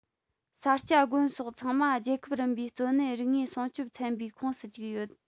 ས སྐྱ དགོན སོགས ཚང མ རྒྱལ ཁབ རིམ པའི གཙོ གནད རིག དངོས སྲུང སྐྱོང ཚན པའི ཁོངས སུ བཅུག ཡོད